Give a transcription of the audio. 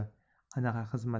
qanaqa xizmat